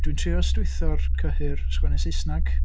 Dwi'n trio ystwytho'r cyhyr sgwennu Saesneg.